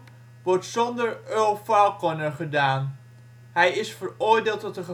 zonder Earl Falconer gedaan; hij is veroordeeld tot een